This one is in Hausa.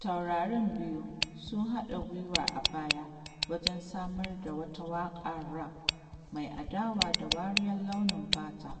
Taurarin biyu sun haɗa gwiwa a baya wajen samar da wata waƙar rap mai adawa da wariyar launin fata